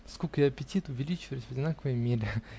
Скука и аппетит увеличивались в одинаковой мере.